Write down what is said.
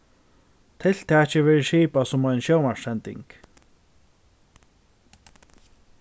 tiltakið verður skipað sum ein sjónvarpssending